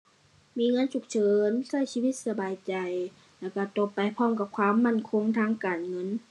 มีเงินฉุกเฉิน ใช้ชีวิตสบายใจ แล้วใช้โตไปพร้อมกับความมั่นคงทางการเงิน